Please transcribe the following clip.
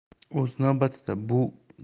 o'z navbatida bu jihat